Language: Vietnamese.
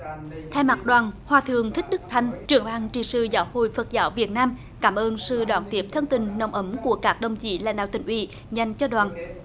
thay mặt đoàn hòa thượng thích đức thanh trưởng ban trị sự giáo hội phật giáo việt nam cảm ơn sự đón tiếp thân tình nồng ấm của các đồng chí lãnh đạo tỉnh ủy dành cho đoàn